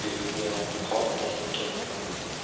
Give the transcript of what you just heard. uyda qolmay ketdim